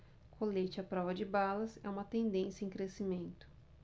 colete à prova de balas é uma tendência em crescimento